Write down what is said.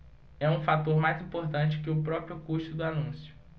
é um fator mais importante que o próprio custo do anúncio